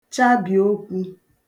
chabì okwū